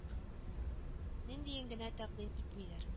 Ниндиен генә тәкъдим итмиләр